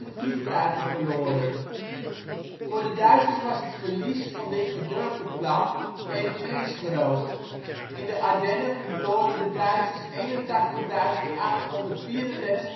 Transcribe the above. vliegtuigen verloren. Voor de Duitsers was het verlies van dit gedurfde plan eveneens groot. In de Ardennen verloren de Duitsers 81.834 manschappen